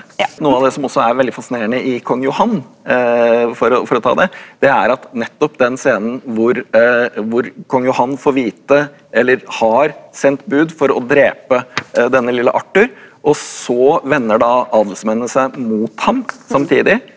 noe av det som også er veldig fasinerende i Kong Johan for å for å ta det, det er at nettopp den scenen hvor hvor kong Johan får vite eller har sendt bud for å drepe denne lille Arthur og så vender da adelsmennene seg mot ham samtidig.